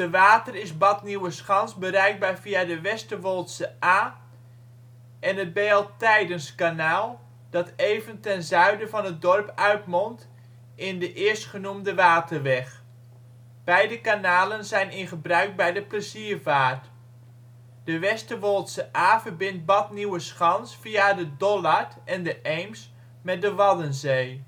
water is Bad Nieuweschans bereikbaar via de Westerwoldse Aa en het B.L. Tijdenskanaal dat even ten zuiden van het dorp uitmondt in de eerst genoemde waterweg. Beide kanalen zijn in gebruik bij de pleziervaart. De Westerwoldse Aa verbindt Bad Nieuweschans via de Dollard en de Eems met de Waddenzee